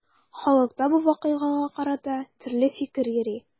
Халыкта бу вакыйгага карата төрле фикер йөри.